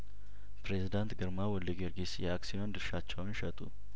ፕሬዝዳንት ግርማ ወልደ ጊዮርጊስ የአክሲዮን ድርሻቸውን ሸጡ